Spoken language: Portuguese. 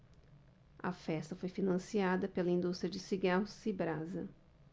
a festa foi financiada pela indústria de cigarros cibrasa